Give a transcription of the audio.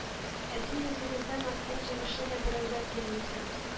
Ә син үзегездән арткан җимешне дә берәүгә дә бирмисең